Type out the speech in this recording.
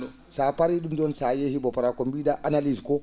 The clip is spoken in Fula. so a parii ?um ?on so a yahii bo par* ko mbi?aa analyse ko